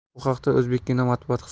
bu haqda o'zbekkino matbuot